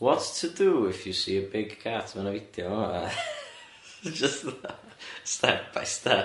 what to do if you see a big cat? ma' na fideo fan'na jyst step by step.